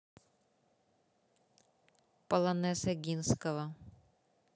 полонез огинского